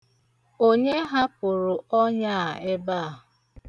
Onye hapụrụ ọnya a ebe a?